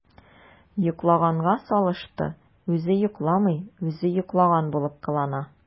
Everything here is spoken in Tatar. “йоклаганга салышты” – үзе йокламый, үзе йоклаган булып кылана.